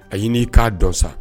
A ɲini i ka dɔ san.